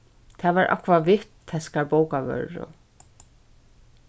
tað var akvavitt teskar bókavørðurin